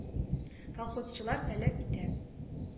Колхозчылар таләп итә